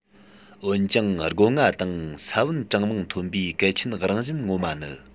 འོན ཀྱང སྒོ ང དང ས བོན གྲངས མང ཐོན པའི གལ ཆེན རང བཞིན ངོ མ ནི